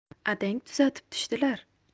adang tuzatib tushdilar